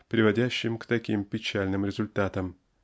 приводящем к таким печальным результатам